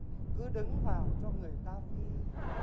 cứ đứng vào cho người ta phi